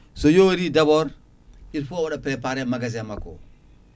so yoori d' abord il faut o waɗa préparé magasin makko